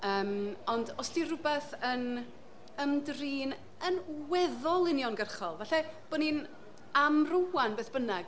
yym ond os 'di rywbeth yn ymdrin yn weddol uniongyrchol, falle bod ni'n am rŵan beth bynnag...